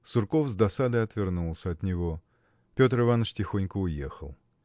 Сурков с досадой отвернулся от него. Петр Иваныч тихонько уехал.